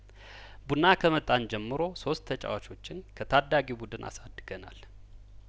ቡና ከመጣን ጀምሮ ሶስት ተጫዋቾችን ከታዳጊው ቡድን አሳድገናል